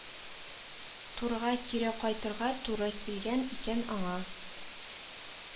Турга кире кайтырга туры килгән икән аңа